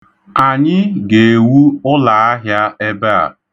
Anyị ga-ewu ụlaahịa ebe a.